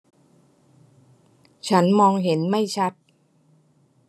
ฉันมองเห็นไม่ชัด